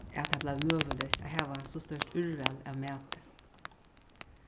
at tað bleiv møguligt at hava so stórt úrval av mati